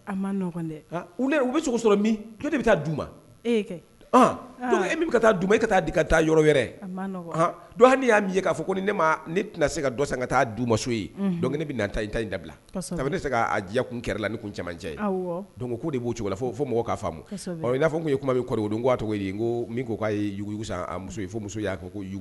Taa e taa yɔrɔ hali y'a yea fɔ ko ne ma ne tɛna se ka ka taa du mamuso ye bɛ na ta i ta in dabila ne se k'a diya kun kɛra la ni kun caman cɛ ye don de b'o cogo fɔ fo mɔgɔ' in n'a fɔ ko ye kuma bɛ kɔrɔ'a tɔgɔ ko ko k'a yeugu muso